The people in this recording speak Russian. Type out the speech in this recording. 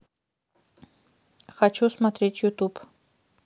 хочу смотреть ютуб